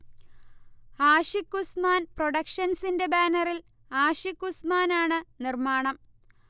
ആഷിക്ഉസ്മാൻ പ്രൊഡക്ഷൻസിന്റെ ബാനറിൽ ആഷിഖ് ഉസ്മാനാണ് നിർമാണം